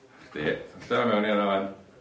'Na chdi. Hollta fe mewn i wnna 'wan.